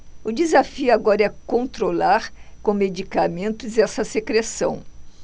o desafio agora é controlar com medicamentos essa secreção